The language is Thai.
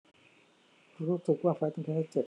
รู้สึกว่าไฝตรงแขนจะเจ็บ